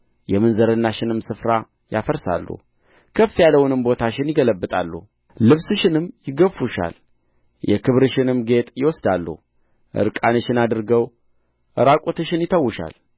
የምንዝርናሽንም ስፍራ ያፈርሳሉ ከፍ ያለውንም ቦታሽን ይገለብጣሉ ልብስሽንም ይገፉሻል የክብርሽንም ጌጥ ይወስዳሉ ዕርቃንሽን አድርገው ዕራቁትሽን ይተዉሻል